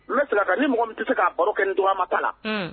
N sira kan ni mɔgɔ min tɛ se k kaa baro kɛ dɔgɔ amata la